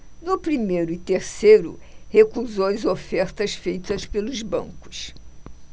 no primeiro e terceiro recusou as ofertas feitas pelos bancos